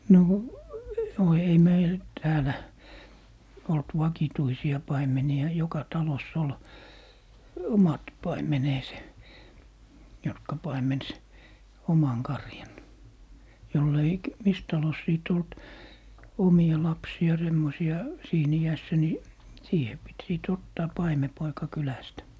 no no ei meillä täällä ollut vakituisia paimenia joka talossa oli omat paimenensa jotka paimensi oman karjan jolla ei - missä talossa sitten ollut omia lapsia semmoisia siinä iässä niin siihen piti sitten ottaa paimenpoika kylästä